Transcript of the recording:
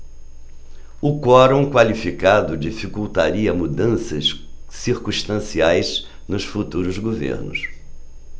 o quorum qualificado dificultaria mudanças circunstanciais nos futuros governos